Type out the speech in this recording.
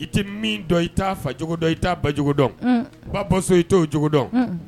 I tɛ min dɔn i t' fa dɔn i' ba jugu dɔn ba bo so i t' o cogo dɔn